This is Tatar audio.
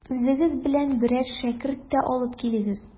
Үзегез белән берәр шәкерт тә алып килегез.